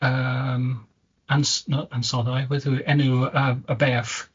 yym, ans-, not ansoddair. Beth yw enw y y berf?